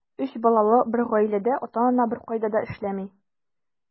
Өч балалы бер гаиләдә ата-ана беркайда да эшләми.